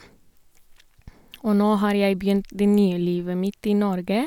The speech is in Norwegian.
Og nå har jeg begynt det nye livet mitt i Norge.